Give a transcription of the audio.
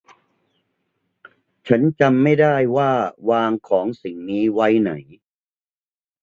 ฉันจำไม่ได้ว่าวางของสิ่งนี้ไว้ไหน